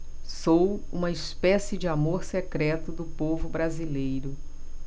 sou uma espécie de amor secreto do povo brasileiro